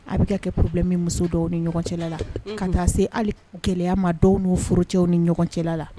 A bɛ ka kɛ plɛ min muso dɔw ni ɲɔgɔn cɛ la ka se ali gɛlɛyaya ma dɔw ni furu cɛw ni ɲɔgɔn cɛla la